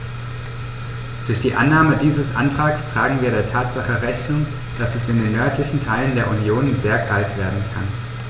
Durch die Annahme dieses Antrags tragen wir der Tatsache Rechnung, dass es in den nördlichen Teilen der Union sehr kalt werden kann.